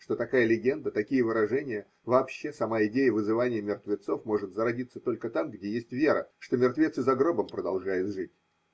что такая легенда, такие выражения, вообще самая идея вызывания мертвецов может зародиться только там, где есть вера, что мертвец и за гробом продолжает жить.